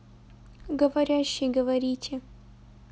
говорящий говорите